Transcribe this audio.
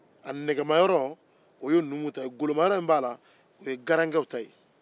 n'a yɛlɛnna so bala a b'i sigi kirike kɔnɔ